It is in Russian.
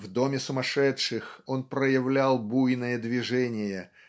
В доме сумасшедших он проявлял буйное движение